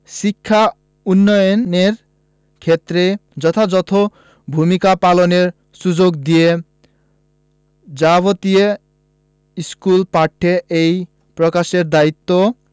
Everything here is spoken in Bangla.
শিক্ষা উন্নয়নের ক্ষেত্রে যথাযথ ভূমিকা পালনের সুযোগ দিয়ে যাবতীয় স্কুল পাঠ্য বই প্রকাশের দায়িত্ব